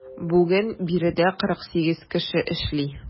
Бүген биредә 48 кеше эшли.